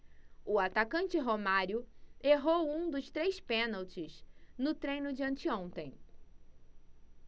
o atacante romário errou um dos três pênaltis no treino de anteontem